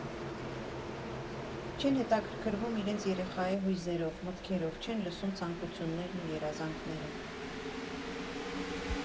Չեն հետաքրքրվում իրենց երեխայի հույզերով, մտքերով, չեն լսում ցանկություններն ու երազանքները։